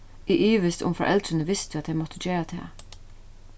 eg ivist um foreldrini vistu at tey máttu gera tað